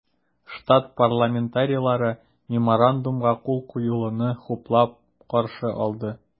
Штат парламентарийлары Меморандумга кул куелуны хуплап каршы алды.